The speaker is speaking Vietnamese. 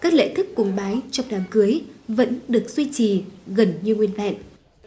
các lễ thức cúng bái trong đám cưới vẫn được duy trì gần như nguyên vẹn